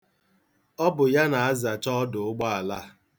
Ọ bụ ya na-azacha ọdụụgbọala a?